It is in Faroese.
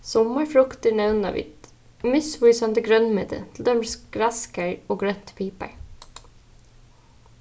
summar fruktir nevna vit misvísandi grønmeti til dømis graskar og grønt pipar